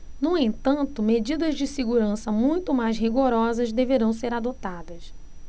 no entanto medidas de segurança muito mais rigorosas deverão ser adotadas